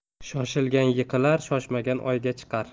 shoshilgan yiqilar shoshmagan oyga chiqar